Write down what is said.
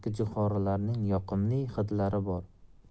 yoqimli hidlari bor